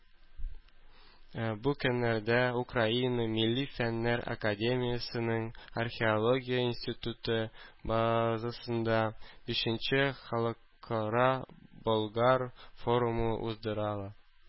Бу көннәрдә Украина Милли фәннәр академиясенең Археология институты базасында бишенче Халыкара Болгар форумы уздырыла.